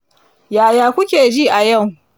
yaya kuke ji a yau